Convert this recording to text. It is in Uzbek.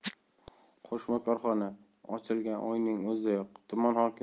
qo'shma korxona ochilgan oyning o'zidayoq tuman